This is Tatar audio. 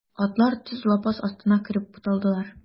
Атлар төз лапас астына кереп буталдылар.